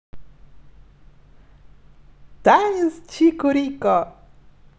танец чику рико